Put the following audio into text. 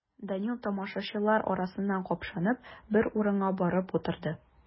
Данил, тамашачылар арасыннан капшанып, бер урынга барып утырды.